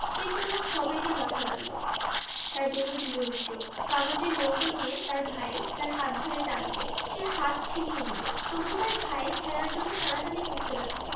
সে কেবল সবেগে মাথা নাড়ল তার বেণী দুলে উঠল কাগজের নৌকো নিয়ে তার ভাই তার হাত ধরে টানলে সে হাত ছিনিয়ে নিলে তবু তার ভাই খেলার জন্যে টানাটানি করতে লাগলে